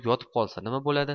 yotib qolsa nima bo'ladi